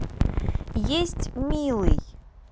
есть милый